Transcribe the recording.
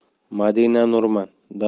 madina nurman daryo